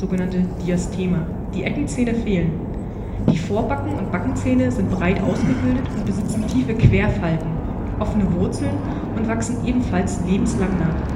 eine Lücke (Diastema), die Eckzähne fehlen. Die Vorbacken - und Backenzähne sind breit ausgebildet und besitzen tiefe Querfalten, offene Wurzeln und wachsen ebenfalls lebenslang nach